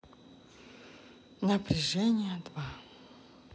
напряжение два